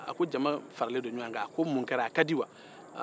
a ko jama faralen don ɲɔgɔn kan a ka di wa